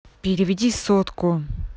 переведи сотку